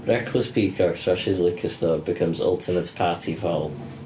Reckless peacock trashes liquor store becomes ultimate party fowl.